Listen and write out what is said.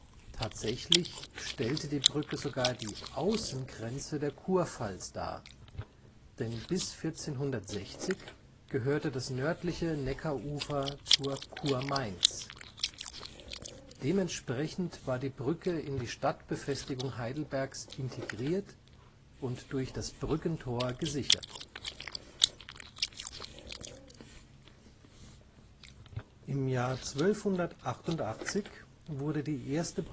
Tatsächlich stellte die Brücke sogar die Außengrenze der Kurpfalz dar, denn bis 1460 gehörte das nördliche Neckarufer zur Kurmainz. Dementsprechend war die Brücke in die Stadtbefestigung Heidelbergs integriert und durch das Brückentor gesichert. 1288 wurde die erste